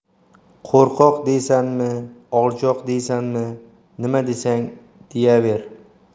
qo'rqoq deysanmi olchoq deysanmi nima desang deyaver